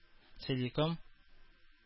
Целиком